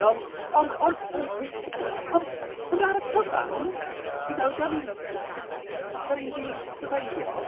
Ond ond ond ond ond ar y cyfan, you know, dan ni'n d- dan ni 'di syrfeifio